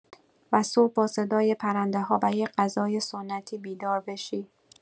و صبح با صدای پرنده‌ها و یه غذای سنتی بیدار بشی.